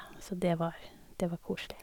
Så det var det var koselig.